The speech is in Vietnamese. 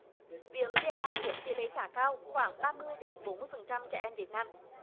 viêm vê a chiếm tỷ lệ khá cao khoảng ba mươi đến bốn mươi phần trăm trẻ em việt nam